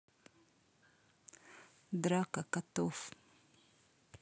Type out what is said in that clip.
драка котов